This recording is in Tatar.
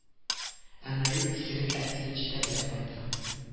Ә наил исерек әтисен җитәкләп кайта